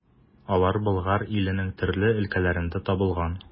Алар Болгар иленең төрле өлкәләрендә табылган.